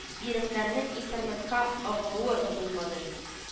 Биремнәрнең интернетка “агылуы” да булмады